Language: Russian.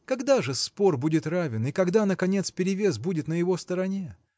Когда же спор будет равен и когда наконец перевес будет на его стороне?